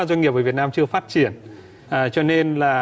doanh nghiệp về việt nam chưa phát triển à cho nên là